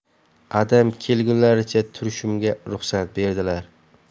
adam kelgunlaricha turishimga ruxsat berdilar